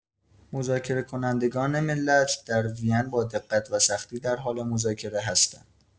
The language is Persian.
مذاکره‌کنندگان ملت در وین با دقت و سختی در حال مذاکره هستند،